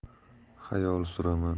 xayol suraman